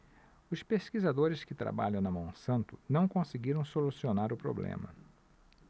os pesquisadores que trabalham na monsanto não conseguiram solucionar o problema